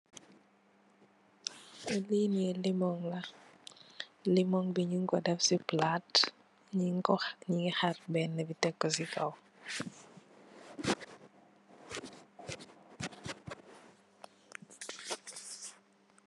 Bi nii limong la, limong bi ñgu ko def ci palat, ñgu ngi xar benna bi def ko ci kaw.